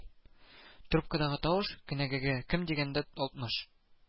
Трубкадагы тавыш, кенәгәгә ким дигәндә алтмыш